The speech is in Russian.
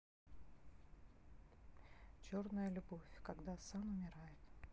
черная любовь когда асан умирает